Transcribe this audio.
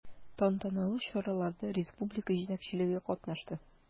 Тантаналы чараларда республика җитәкчелеге катнашты.